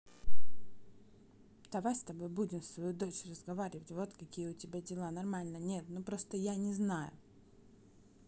давай с тобой будем свою дочь разговаривать вот какие у тебя дела нормально нет ну просто я не знаю